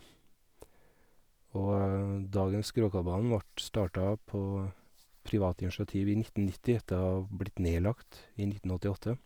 Og dagens Gråkallbanen vart starta på privat initiativ i nitten nitti etter å ha blitt nedlagt i nitten åttiåtte.